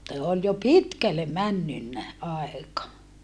se oli jo pitkälle mennyt aika